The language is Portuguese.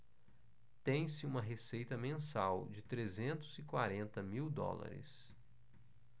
tem-se uma receita mensal de trezentos e quarenta mil dólares